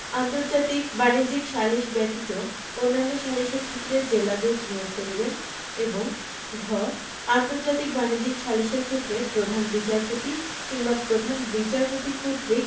আন্তর্জাতিক বাণিজ্যিক সালিস ব্যতীত অন্যান্য সালিসের ক্ষেত্রে জেলাজজ নিয়োগ করিবেন এবং ঘ আন্তর্জাতিক বাণিজ্যিক সালিসের ক্ষেত্রে প্রধান বিচারপতি কিংবা প্রধান বিচারপতি কর্তৃক